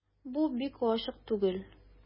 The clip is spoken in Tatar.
Бу бик ачык түгел...